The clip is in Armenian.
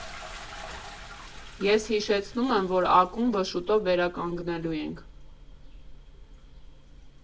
Ես հիշեցնում եմ, որ ակումբը շուտով վերականգնելու են։